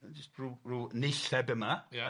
jyst rw rw neitheb yma... Ia.